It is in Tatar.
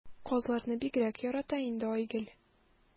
Казларны бигрәк ярата инде Айгөл.